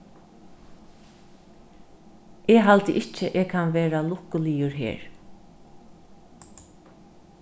eg haldi ikki eg kann vera lukkuligur her